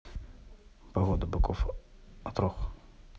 погода быков отрог